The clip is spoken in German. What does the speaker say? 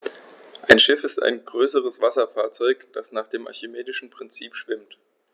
Ein Schiff ist ein größeres Wasserfahrzeug, das nach dem archimedischen Prinzip schwimmt.